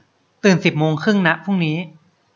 ตื่นสิบโมงครึ่งนะพรุ่งนี้